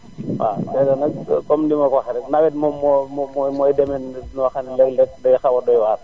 waaw xëy na nag comme ni ma ko waxee nawet moom moo moo mooy demee noo xam ne léeg léeg day xaw a doy waar